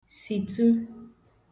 situ